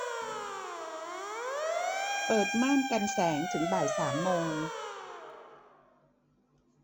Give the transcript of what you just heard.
เปิดม่านกันแสงถึงบ่ายสามโมง